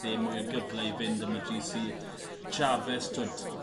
e mwy o gyfle i fynd am y Gee See. Chaves t'wod